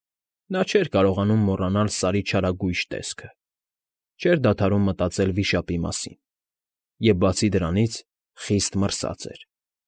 Նա չէր կարողանում մոռանալ Սարի չարագույժ տեսքը, չէր դադարում մտածել վիշապի մասին և, բացի դրանից, խիստ մրսած էր։